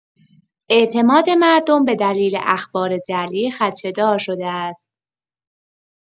اعتماد مردم به دلیل اخبار جعلی خدشه‌دار شده است.